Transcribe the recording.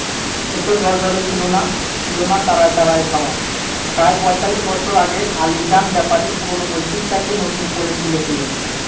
এত জ্বলজ্বলে ছিল না ছিলনা তারায় তারায় ছাওয়া প্রায় পঁয়তাল্লিশ বছর আগে আলীজান ব্যাপারী পূরোনো মসজিদটাকে নতুন করে তুলেছিলেন